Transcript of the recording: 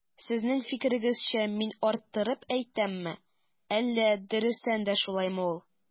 Сезнең фикерегезчә мин арттырып әйтәмме, әллә дөрестән дә шулаймы ул?